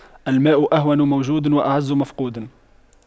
الماء أهون موجود وأعز مفقود